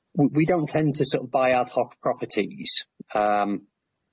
W- we don't tend to sor' of buy our top properties, erm.